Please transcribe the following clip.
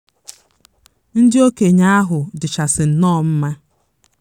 MKH: Ndị okenye ahụ dịchasi nnọọ mma.